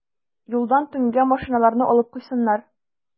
Юлдан төнгә машиналарны алып куйсыннар.